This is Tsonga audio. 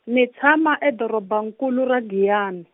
ni tshama e dorobankulu ra Giyani.